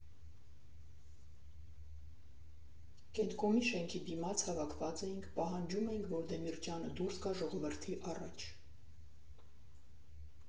Կենտկոմի շենքի դիմաց հավաքված էինք, պահանջում էինք, որ Դեմիրճյանը դուրս գա ժողովրդի առաջ։